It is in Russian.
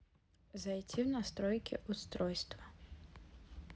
зайти в настройки устройства